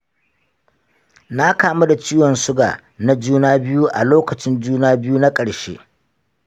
na kamu da ciwon suga na juna-biyu a lokacin juna-biyu na ƙarshe.